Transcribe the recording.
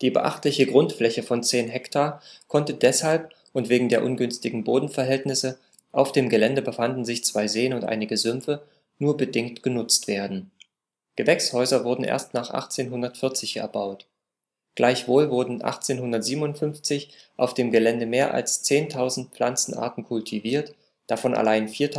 beachtliche Grundfläche von 10 Hektar konnte deshalb und wegen der ungünstigen Bodenverhältnisse - auf dem Gelände befanden sich zwei Seen und einige Sümpfe - nur bedingt genutzt werden. Gewächshäuser wurden erst nach 1840 erbaut. Gleichwohl wurden 1857 auf dem Gelände mehr als 10.000 Pflanzenarten kultiviert, davon allein 4.500